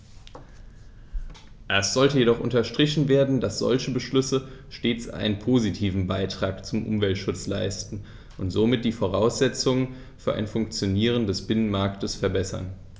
Es sollte jedoch unterstrichen werden, dass solche Beschlüsse stets einen positiven Beitrag zum Umweltschutz leisten und somit die Voraussetzungen für ein Funktionieren des Binnenmarktes verbessern.